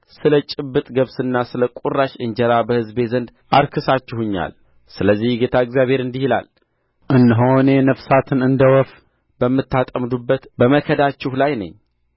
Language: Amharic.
ስለ ጭብጥ ገብስና ስለ ቍራሽ እንጀራ በሕዝቤ ዘንድ አርክሳችሁኛል ስለዚህ ጌታ እግዚአብሔር እንዲህ ይላል እነሆ እኔ ነፍሳትን እንደ ወፍ በምታጠምዱባት በመከዳችሁ ላይ ነኝ